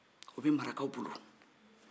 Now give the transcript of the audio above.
o bi marakaw bolo